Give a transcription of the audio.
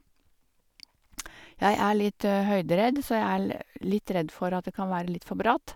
Jeg er litt høyderedd, så jeg er le litt rett for at det kan være litt for bratt.